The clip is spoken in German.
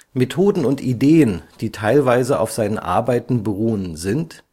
Methoden und Ideen, die teilweise auf seinen Arbeiten beruhen, sind